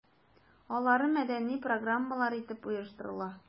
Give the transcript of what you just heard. Алары мәдәни программалар итеп оештырыла.